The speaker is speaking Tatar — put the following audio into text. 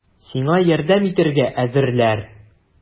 Сиңа ярдәм итәргә әзерләр!